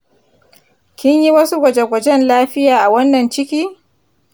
kin yi wasu gwaje-gwajen lafiya a wannan ciki?